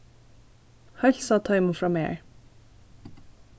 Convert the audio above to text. heilsa teimum frá mær